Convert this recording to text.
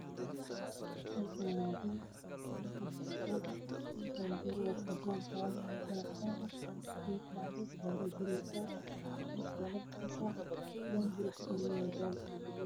Halkaan waxaa ka muuqdo naag durayso naag kale mida la duraayo waxay qabtaa hijaab cadays ah mid wax duraysana waxay qabtaa maro cadaan ah ayey qabataa